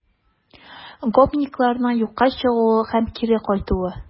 Гопникларның юкка чыгуы һәм кире кайтуы